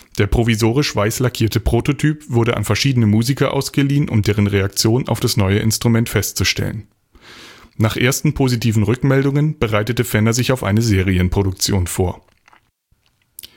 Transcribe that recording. Der provisorisch weiß lackierte Prototyp wurde an verschiedene Musiker ausgeliehen, um deren Reaktion auf das neue Instrument festzustellen. Nach ersten positiven Rückmeldungen bereitete Fender sich auf eine Serienproduktion vor. Die